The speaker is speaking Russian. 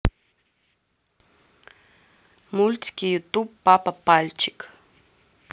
мультики ютуб папа пальчик